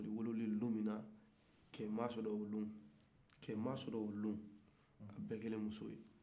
fakoli wolola don min na cɛ ma sɔrɔ o do a bɛ kɛɛra musow ye